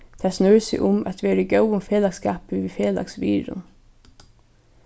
tað snýr seg um at vera í góðum felagsskapi við felags virðum